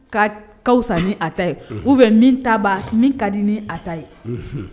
Ka ka san ni a ta ye u bɛ min taba min ka di ni a ta ye